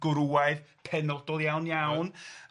gwrwaidd penodol iawn iawn ia.